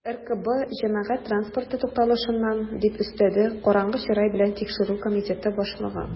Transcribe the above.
"ркб җәмәгать транспорты тукталышыннан", - дип өстәде караңгы чырай белән тикшерү комитеты башлыгы.